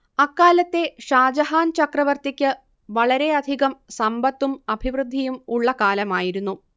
അക്കാലത്തെ ഷാജഹാൻ ചക്രവർത്തിക്ക് വളരെയധികം സമ്പത്തും അഭിവൃദ്ധിയും ഉള്ള കാലമായിരുന്നു